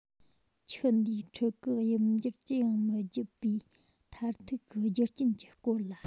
ཁྱུ འདིའི ཕྲུ གུ དབྱིབས འགྱུར ཅི ཡང མི བརྒྱུད པའི མཐར ཐུག གི རྒྱུ རྐྱེན གྱི སྐོར ལ